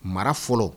Mara fɔlɔ